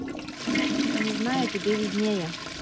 не знаю тебе виднее